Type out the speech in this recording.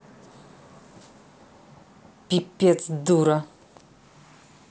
пипец дура